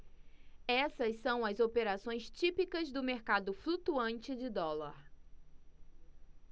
essas são as operações típicas do mercado flutuante de dólar